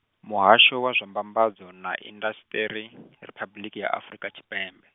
Muhasho wa zwa Mbambadzo na indasiṱiri , Riphabuḽiki ya Afrika Tshipembe.